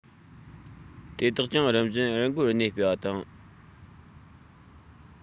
དེ དག ཀྱང རིམ བཞིན རི མགོར གནས སྤོས པ དང